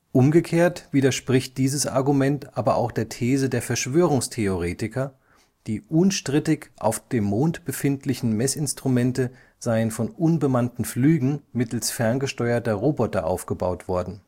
Umgekehrt widerspricht dieses Argument aber auch der These der Verschwörungstheoretiker, die unstrittig auf dem Mond befindlichen Messinstrumente seien von unbemannten Flügen mittels ferngesteuerter Roboter aufgebaut worden